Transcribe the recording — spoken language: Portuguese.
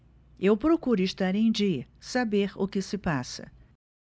eu procuro estar em dia saber o que se passa